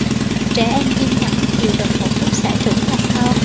trẻ em kiên nhẫn chịu đựng một chút sẽ trưởng thành hơn